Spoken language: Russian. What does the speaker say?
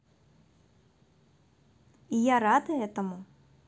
я рада этому